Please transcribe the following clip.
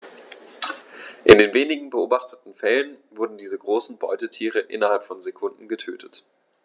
In den wenigen beobachteten Fällen wurden diese großen Beutetiere innerhalb von Sekunden getötet.